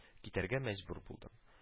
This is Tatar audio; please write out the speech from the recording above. Китәргә мәҗбүр булдым